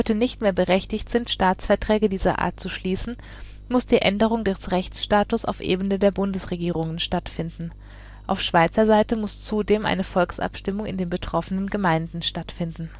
nicht mehr berechtigt sind, Staatsverträge dieser Art zu schliessen, muss die Änderung des Rechtsstatus auf Ebene der Bundesregierungen stattfinden. Auf Schweizer Seite muss zudem eine Volksabstimmung in den betroffenen Gemeinden stattfinden